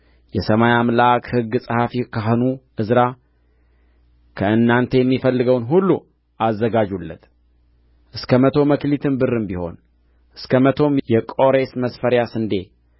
የሰማይ አምላክ ሕግ ጸሐፊ ካህኑ ዕዝራ ከእናንተ የሚፈልገውን ሁሉ አዘጋጁለት እስከ መቶ መክሊት ብርም ቢሆን እስከ መቶ የቆሬስ መስፈሪያ ስንዴ እስከ መቶም የባዶስ መስፈሪያ የወይን ጠጅ